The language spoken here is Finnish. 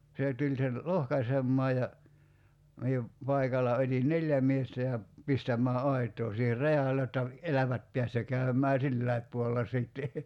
se tuli sen lohkaisemaan ja minä paikalla otin neljä miestä ja pistämään aitaa siihen rajalle jotta elävät pääsi jo käymään silläkin puolella sitten